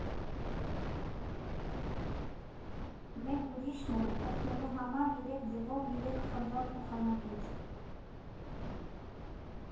Մեկ ուրիշն էլ օգնելու համար երեք ձվով երեք խնձոր փոխանակեց։